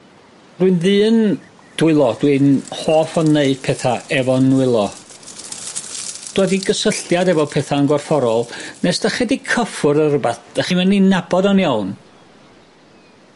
Rwy'n ddyn dwylo dwi'n hoff o neud petha efo'n nwylo dwad i gysylltiad efo petha'n gorfforol nes 'da chi 'di cyffwrdd rwbath 'da chi ddim yn i nabod o'n iown